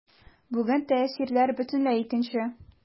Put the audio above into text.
Бүген тәэсирләр бөтенләй икенче.